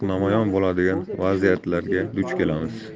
namoyon bo'ladigan vaziyatlarga duch kelamiz